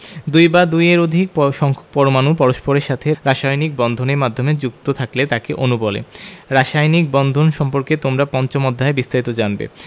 দুই বা দুইয়ের অধিক সংখ্যক পরমাণু পরস্পরের সাথে রাসায়নিক বন্ধন এর মাধ্যমে যুক্ত থাকলে তাকে অণু বলে রাসায়নিক বন্ধন সম্পর্কে তোমরা পঞ্চম অধ্যায়ে বিস্তারিত জানবে